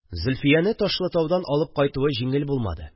Зөлфияне Ташлытаудан алып кайтуы җиңел булмады